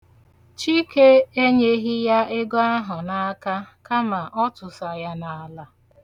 Chike enyeghị ya ego ahụ n'aka kama ọ tụsa ya n'ala.